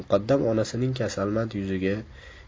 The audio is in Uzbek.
m uqaddam onasining kasalmand yuziga